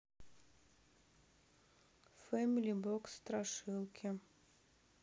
фэмили бокс страшилки